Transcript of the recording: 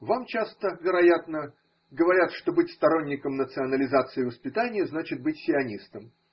Вам часто, вероятно, говорят, что быть сторонником национализации воспитания значит быть сионистом.